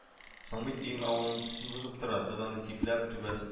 — соң бит өең авылның төсен бозып тора, без аны сипләп, түбәсен